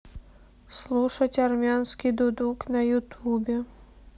слушать армянский дудук на ютубе